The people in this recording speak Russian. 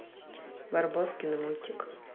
барбоскины мультик